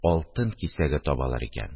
– алтын кисәге табалар икән